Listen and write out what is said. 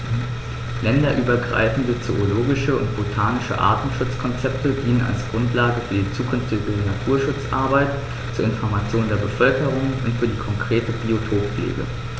Länderübergreifende zoologische und botanische Artenschutzkonzepte dienen als Grundlage für die zukünftige Naturschutzarbeit, zur Information der Bevölkerung und für die konkrete Biotoppflege.